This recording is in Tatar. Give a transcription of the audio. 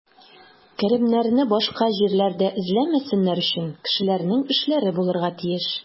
Керемнәрне башка җирләрдә эзләмәсеннәр өчен, кешеләрнең эшләре булырга тиеш.